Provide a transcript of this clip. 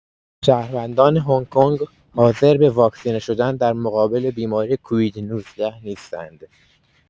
شهروندان هنگ‌کنگ، حاضر به واکسینه شدن در مقابل بیماری کوید-۱۹ نیستند.